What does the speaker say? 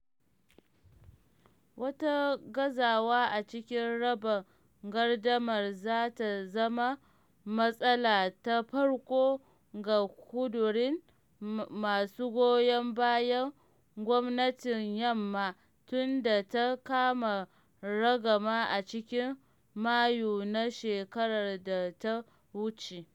Wata gazawa a cikin raba gardamar za ta zama matsala ta farko ga ƙudurin masu goyon bayan gwamnatin Yamma tun da ta kama ragama a cikin Mayu na shekarar da ta wuce.